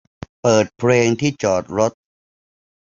เปิดเพลงที่จอดรถ